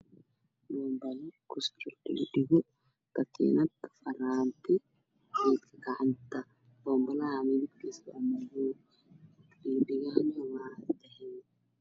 Boombale ku suran Dhaho dhago katiinad faraanti geedka gacanta boombalaha midabkiisa waa madow dhago dhagohana waa dahabi